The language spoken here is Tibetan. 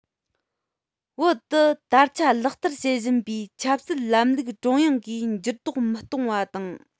བོད དུ ད ཆ ལག བསྟར བྱེད བཞིན པའི ཆབ སྲིད ལམ ལུགས ཀྲུང དབྱང གིས འགྱུར ལྡོག མི གཏོང བ དང